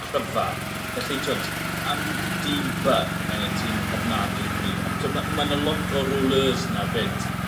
cryfa felly t'wod am dîm By mae e'n tîm ofnadwy o gryf a t'wo' ma' ma' 'na lot o rouleurs 'na 'fyd.